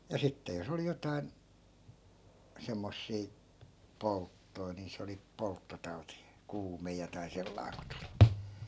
ja sitten jos oli jotakin semmoisia polttoja niin se oli polttotauti kuume jotakin sellainen kun tuli